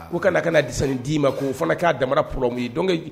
U kana, ka na disani d'i ma, k'o fana k'a damana problème ye. Donc